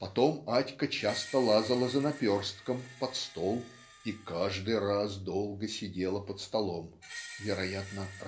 Потом Атька часто лазала за наперстком пол стол и "ки-ждый раз долго сидела под столом вероятно